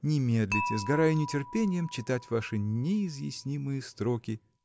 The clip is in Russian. Не медлите; сгораю нетерпением читать ваши неизъяснимые строки.